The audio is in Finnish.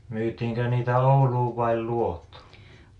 myytiinkö niitä Ouluun vai Luotoon